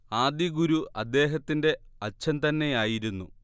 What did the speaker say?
ആദ്യ ഗുരു അദ്ദേഹത്തിന്റെ അച്ഛൻ തന്നെയായിരുന്നു